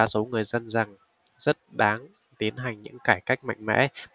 số người dân rằng rất đáng tiến hành những cải cách mạnh mẽ